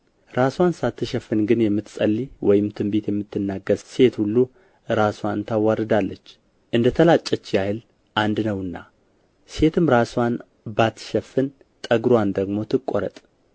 ራስዋን ሳትሸፍን ግን የምትጸልይ ወይም ትንቢት የምትናገር ሴት ሁሉ ራስዋን ታዋርዳለች እንደ ተላጨች ያህል አንድ ነውና ሴትም ራስዋን ባትሸፍን ጠጉርዋን ደግሞ ትቆረጥ